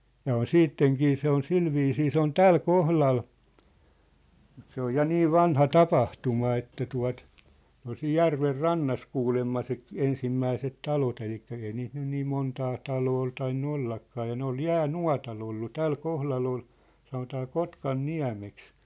ja on sittenkin se on sillä viisiin se on tällä kohdalla mutta se on ja niin vanha tapahtuma että tuo ne oli siinä järven rannassa kuulemma se - ensimmäiset talot eli ei niitä nyt niin montaa taloa ole tainnut ollakaan ja ne oli jäänuotalla ollut tällä kohdalla oli sanotaan Kotkanniemeksi